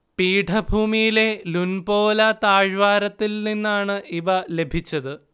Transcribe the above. പീഠഭൂമിയിലെ ലുൻപോല താഴ്വാരത്തിൽ നിന്നാണ് ഇവ ലഭിച്ചത്